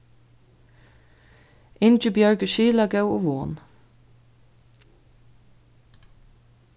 ingibjørg er skilagóð og von